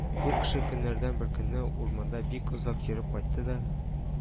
Бу кеше көннәрдән бер көнне урманда бик озак йөреп кайтты да